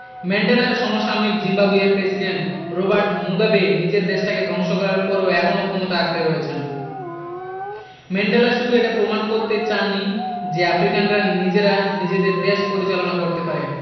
ম্যান্ডেলার সমসাময়িক জিম্বাবুয়ের প্রেসিডেন্ট রবার্ট মুগাবে নিজের দেশটাকে ধ্বংস করার পরও এখনো ক্ষমতা আঁকড়ে রয়েছেন ম্যান্ডেলা শুধু এটা প্রমাণ করতে চাননি যে আফ্রিকানরা নিজেরা নিজেদের দেশ পরিচালনা করতে পারে